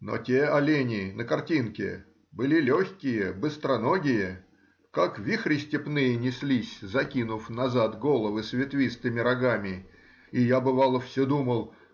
Но те олени, на картинке, были легкие, быстроногие, как вихри степные неслись, закинув назад головы с ветвистыми рогами, и я, бывало, все думал